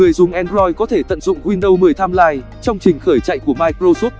người dùng android có thể tận dụng windows timeline trong trình khởi chạy của microsoft